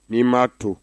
N'i m'a maa to